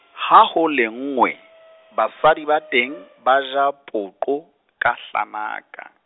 ha ho lenngwe, basadi ba teng, ba ja poqo, ka hlanaka.